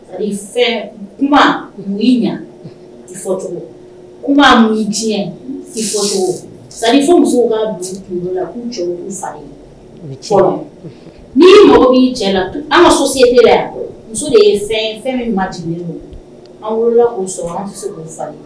Kuma ɲɛ kuma muso ka ni mɔgɔi cɛ la an ka sen yan muso de ye fɛn min ma anw wolo k' sɔrɔ